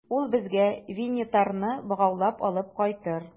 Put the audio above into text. Ул безгә Винитарны богаулап алып кайтыр.